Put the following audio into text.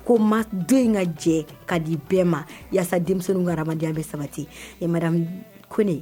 Ko ma do in ka jɛ ka di bɛɛ ma walasasa denmisɛnnin hadamadenya bɛ sabati ma ko